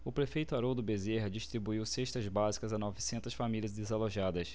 o prefeito haroldo bezerra distribuiu cestas básicas a novecentas famílias desalojadas